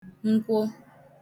nkwo